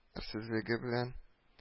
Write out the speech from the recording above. Әрсезлеге белән